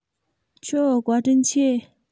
ཁྱོད བཀའ དྲིན ཆེ